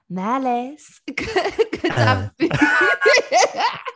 ..Melys.